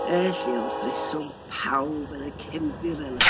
Felly wrth reswm, pawb yn y cefndir yna.